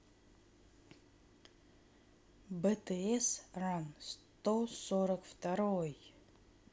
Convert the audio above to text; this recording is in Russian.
bts run сто сорок второй